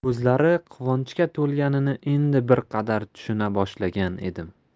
ko'zlari quvonchga to'lganini endi bir qadar tushuna boshlagan edim